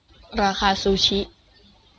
ราคาซูชิ